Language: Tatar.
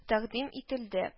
Тәкъдим ителде